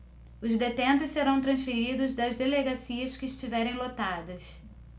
os detentos serão transferidos das delegacias que estiverem lotadas